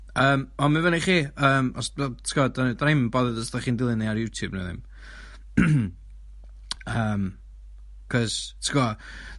Yym ond ma' fynny i chi yym os- ti g'od 'dan ni- dan ni 'im yn bothered os 'dych chi'n dilyn ni ar YouTube ne' ddim yym cos ti gw'o'